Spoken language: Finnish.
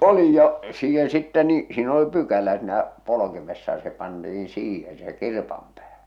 poljin ja siihen sitten niin siinä oli pykälä sinä polkimessa ja se pantiin siihen se kirpan päähän